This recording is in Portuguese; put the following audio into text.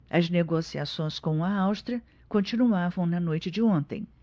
as negociações com a áustria continuavam na noite de ontem